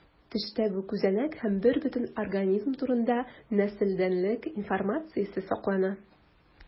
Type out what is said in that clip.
Төштә бу күзәнәк һәм бербөтен организм турында нәселдәнлек информациясе саклана.